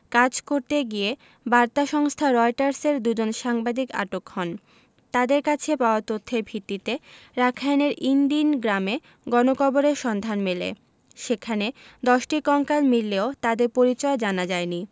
কাজ করতে গিয়ে বার্তা সংস্থা রয়টার্সের দুজন সাংবাদিক আটক হন তাঁদের কাছে পাওয়া তথ্যের ভিত্তিতে রাখাইনের ইন দিন গ্রামে গণকবরের সন্ধান মেলে সেখানে ১০টি কঙ্কাল মিললেও তাদের পরিচয় জানা যায়নি